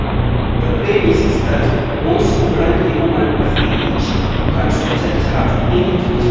The premise is that once you brand a woman as a witch, you can subject her to any treatment.